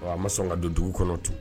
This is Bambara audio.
Ɔ a ma sɔn ka don dugu kɔnɔ tun